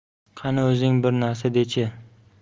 qani o'zing bir narsa dechi